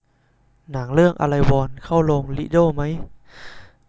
หนังเรื่องอะไรวอลเข้าโรงลิโด้มั้ย